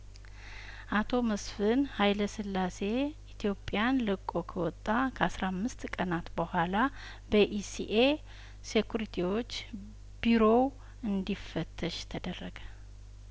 አቶ መስፍን ሀይለ ስላሴ ኢትዮጵያን ለቆ ከወጣ ከአስራ አምስት ቀናት በኋላ በኢሲኤ ሴኩሪቲዎች ቢሮው እንዲ ፈተሽ ተደረገ